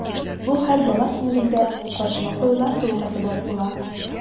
Бу хәл бала күңелендә каршылыклы уйлар тууга сәбәп була.